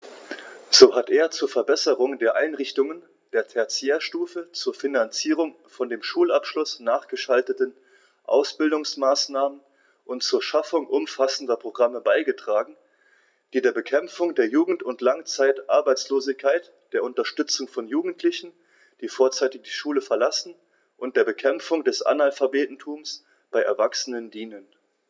So hat er zur Verbesserung der Einrichtungen der Tertiärstufe, zur Finanzierung von dem Schulabschluß nachgeschalteten Ausbildungsmaßnahmen und zur Schaffung umfassender Programme beigetragen, die der Bekämpfung der Jugend- und Langzeitarbeitslosigkeit, der Unterstützung von Jugendlichen, die vorzeitig die Schule verlassen, und der Bekämpfung des Analphabetentums bei Erwachsenen dienen.